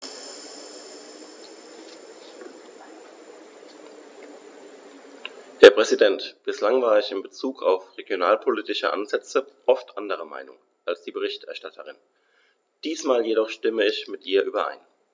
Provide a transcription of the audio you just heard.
Herr Präsident, bislang war ich in bezug auf regionalpolitische Ansätze oft anderer Meinung als die Berichterstatterin, diesmal jedoch stimme ich mit ihr überein.